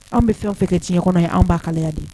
Anw bɛ fɛn fɛ kɛ tiɲɛ kɔnɔ ye an ba kalaya de